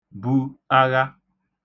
bu agha